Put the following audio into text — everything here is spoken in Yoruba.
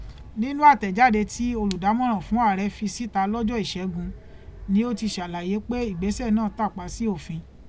Nínú àtẹ̀jáde tí olùdámọ̀ràn fún Ààrẹ fi síta lọ́jọ́ Ìṣẹ́gun ni ó ti ṣàlàyé pé ìgbésẹ̀ náà tàpá sí òfin.